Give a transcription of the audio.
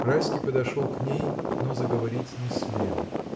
Райский подошел к ней, но заговорить не смел.